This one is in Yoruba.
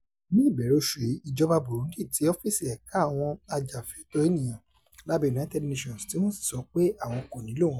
Ní ìbẹ̀rẹ̀ oṣù yìí, ìjọba Burundi ti ọ́fíìsì ẹ̀ka àwọn ajàfẹ́tọ̀ọ́ ènìyàn lábẹ́ United Nations tí wọ́n sì sọ pé àwọn kò nílòo wọn mọ́.